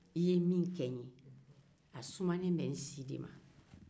i ye min kɛ n ye a sumanen be n si de ma